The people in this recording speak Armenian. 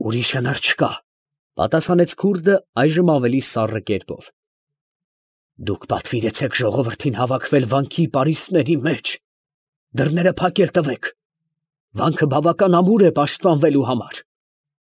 Ուրիշ հնար չկա, ֊ պատասխանեց քուրդը, այժմ ավելի սառն կերպով, ֊ դուք պատվիրեցեք ժողովրդին հավաքվել վանքի պարիսպների մեջ, դռները փակել տվեք. վանքը բավական ամուր է պաշտպանվելու համար։ ֊